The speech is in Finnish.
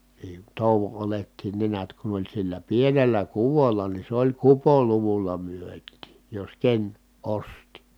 niin touon oljetkin ne näet kun oli sillä pienellä kuvolla niin se oli kupoluvulla myytiin jos ken osti